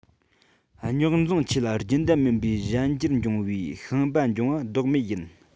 རྙོག འཛིང ཆེ ལ རྒྱུན ལྡན མིན པའི གཞན འགྱུར བྱུང བའི ཤིང སྦ འབྱུང བ ལྡོག མེད ཡིན